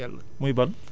boobu moo gën